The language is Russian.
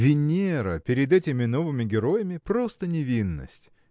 Венера перед этими новыми героинями просто невинность!